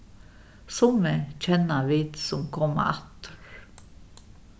summi kenna vit sum koma aftur